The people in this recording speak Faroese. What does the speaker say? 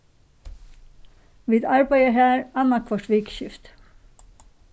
vit arbeiða har annað hvørt vikuskifti